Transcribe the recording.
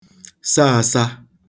sa āsā